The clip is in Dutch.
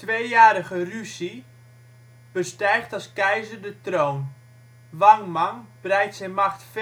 2-jarige Ruzi (6 - 9) bestijgt als keizer de troon, Wang Mang breidt zijn macht